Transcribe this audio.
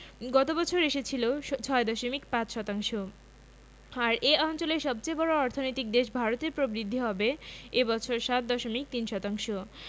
গত বছর এসেছিল ৬.৫ শতাংশ আর এ অঞ্চলের সবচেয়ে বড় অর্থনৈতিক দেশ ভারতের প্রবৃদ্ধি হবে এ বছর ৭.৩ শতাংশ